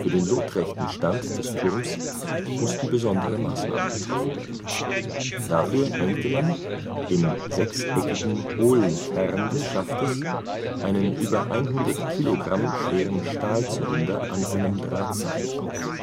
den lotrechten Stand des Turms mussten besondere Maßnahmen getroffen werden. Dafür hängte man im sechseckigen hohlen Kern des Schaftes einen über 100 Kilogramm schweren Stahlzylinder an einem Drahtseil auf